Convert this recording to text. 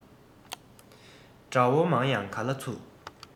དགྲ བོ མང ཡང ག ལ ཚུགས